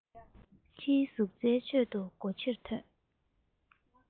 ཁྱིའི ཟུག སྒྲའི ཁྲོད དུ སྒོ ཕྱིར ཐོན